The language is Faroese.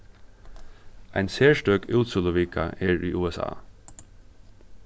ein serstøk útsøluvika er í usa